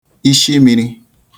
ishi mirī